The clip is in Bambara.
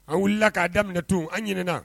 A wulila k'a daminɛ tun an ɲin